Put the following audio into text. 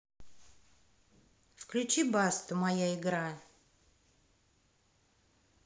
включи басту моя игра